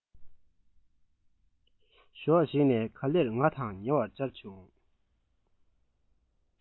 གཞོགས ཤིག ནས ག ལེར ང དང ཉེ བར བཅར བྱུང